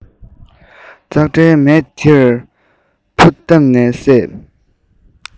ཙག སྒྲའི མེ དེར ཕུ བཏབ ནས བསད